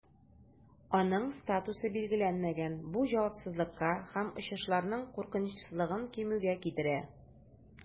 Аның статусы билгеләнмәгән, бу җавапсызлыкка һәм очышларның куркынычсызлыгын кимүгә китерә.